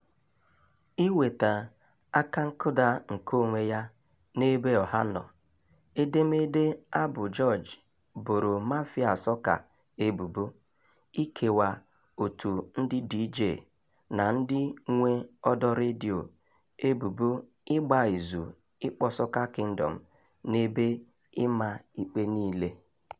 Iweta akankụda nkeonwe ya n'ebe ọha nọ, edemede abụ George boro "mafia sọka" ebubo — ikekwa òtù ndị diijee na ndị nwe ọdọ redio — ebubo ịgba izu ịkpọ "Soca Kingdom" n'ebe ịma ikpe niile.